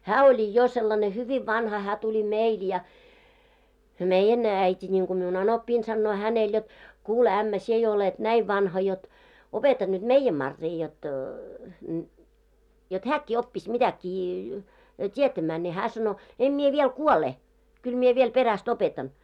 hän oli jo sellainen hyvin vanha hän tuli meille ja meidän äiti niin kuin minun anoppini sanoo hänelle jotta kuule ämmä sinä jo olet näin vanha jotta opeta nyt meidän Maria jotta jotta hänkin oppisi mitäkin tietämään ne hän sanoi en minä vielä kuole kyllä minä vielä perästä opetan